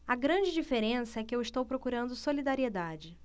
a grande diferença é que eu estou procurando solidariedade